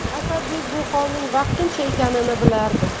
asadbek bu holning vaqtincha ekanini bilardi